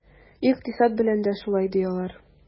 Икътисад белән дә шулай, ди алар.